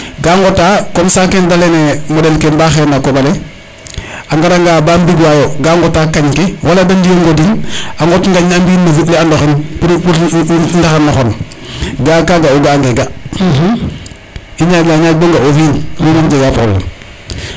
ga ngota comme ke de ley na ye moɗel ke mbaxe na koɓale a ngara nga ba mbigwa yo ba ngota kañ ke wala de ndiya ngodin a ngot gañ ne a mbi in no fund le a ndoxin pour ndaxar ne xon ga'a kaga po ga'a nge ga i ñaƴa ñaaƴ bo ga'a o fi in wo moom jega probleme